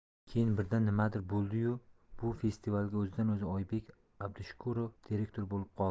keyin birdan nimadir bo'ldi yu bu festivalga o'zidan o'zi oybek abdushukurov direktor bo'lib qoldi